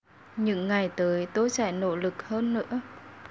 những ngày tới tôi sẽ nỗ lực hơn nữa